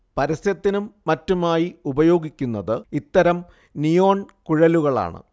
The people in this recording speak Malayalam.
പരസ്യത്തിനും മറ്റുമായി ഉപയോഗിക്കുന്നത് ഇത്തരം നിയോൺ കുഴലുകളാണ്